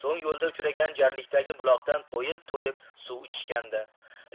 so'ng yo'lda uchragan jarlikdagi buloqdan to'yib to'yib suv ichishgandi